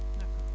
d' accord